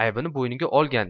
aybini bo'yniga olgan